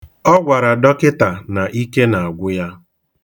Ọ gwara dọkịta na ike na-agwụ ya.